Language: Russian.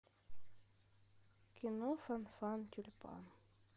кино фанфан тюльпан